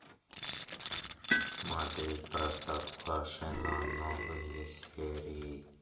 смотреть простоквашино новые серии